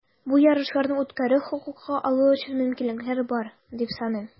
Бу ярышларны үткәрү хокукы алу өчен мөмкинлекләр бар, дип саныйм.